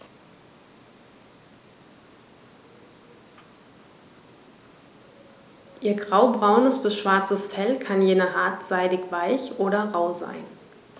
Ihr graubraunes bis schwarzes Fell kann je nach Art seidig-weich oder rau sein.